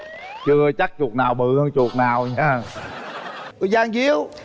chưa chắc chuột nào bự hơn chuột nào nha đôi dan díu